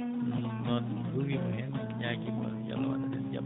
ɗum noon juriima heen min ñaagiima yo Allah waɗan en jam